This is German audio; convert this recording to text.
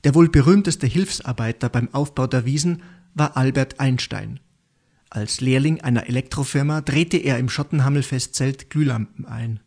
wohl berühmteste Hilfsarbeiter beim Aufbau der Wiesn war Albert Einstein. Als Lehrling einer Elektrofirma drehte er im Schottenhamel-Festzelt Glühlampen ein